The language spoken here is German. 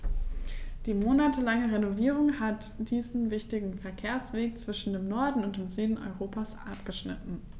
Die monatelange Renovierung hat diesen wichtigen Verkehrsweg zwischen dem Norden und dem Süden Europas abgeschnitten.